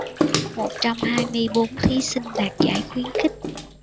một trăm hai mươi bốn thí sinh đạt giải khuyến khích